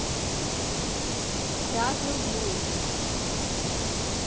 Ջազն ու գինին։